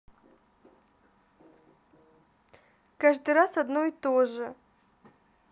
каждый раз одно и то же